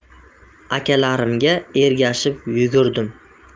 akalarimga ergashib yugurdim